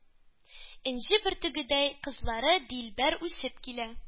Энҗе бөртегедәй кызлары дилбәр үсеп килә.